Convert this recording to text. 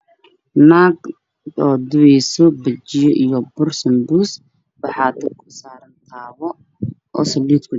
Naag oo dubeyso bajiyo iyo bur sambuus waxaa dabka usaaran qaado oo saliid kulul